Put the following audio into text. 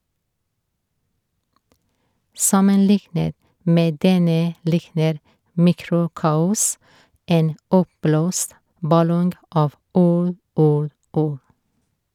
Sammenliknet med denne likner "Mikrokaos" en oppblåst ballong av ord, ord, ord.